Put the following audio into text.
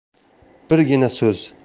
birgina so'z